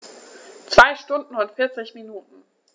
2 Stunden und 40 Minuten